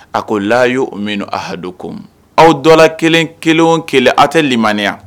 A ko y' o min ahadu ko aw dɔ kelen kelen kelen aw tɛ limaniya